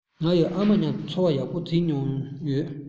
ངའི ཨ མ དང མཉམ དུ འཚོ བ ཡག པོ བྱེད མྱོང ཡོད